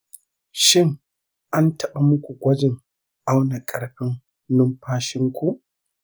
shin an taɓa muku gwajin auna ƙarfin numfashinku?